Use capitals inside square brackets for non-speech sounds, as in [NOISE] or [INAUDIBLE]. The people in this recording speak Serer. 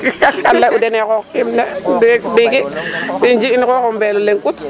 [LAUGHS] kam lay'u den ee xooxkiim de ndiki im xoox o mbeel o leŋ kut.